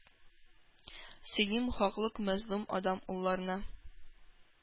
Сөйлим хаклык мазлум адәм улларына!